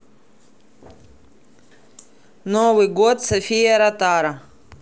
новый год софия ротару